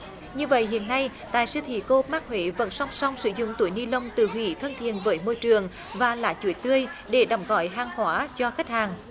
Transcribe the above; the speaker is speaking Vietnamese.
như vậy hiện nay tại siêu thị cô óp mắc huế vẫn song song sử dụng túi ni lông tự hủy thân thiện với môi trường và lá chuối tươi để đóng gói hàng hóa cho khách hàng